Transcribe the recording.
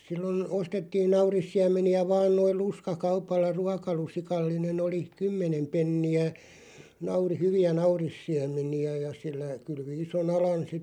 silloin ostettiin naurissiemeniä vain noin lusikkakaupalla ruokalusikallinen oli kymmenen penniä - hyviä naurissiemeniä ja sillä kylvi ison alan sitten